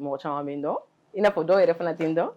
Mɔgɔ caaman bɛ n dɔn, i n'a fɔ dɔw yɛrɛ fana tɛ n dɔn